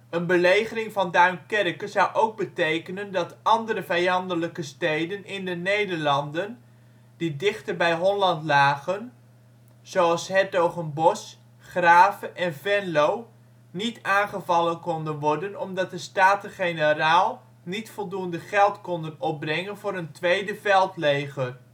belegering van Duinkerke zou ook betekenen dat andere vijandelijke steden in de Nederlanden die dichter bij Holland lagen, zoals ' s-Hertogenbosch, Grave en Venlo, niet aangevallen konden worden omdat de Staten-Generaal niet voldoende geld konden opbrengen voor een tweede veldleger